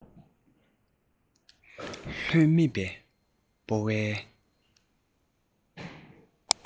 ལྷོད མེད པའི སྤྲོ བའི